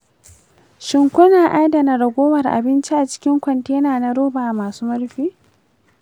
shin kuna adana ragowar abinci a cikin kwantena na roba masu murfi?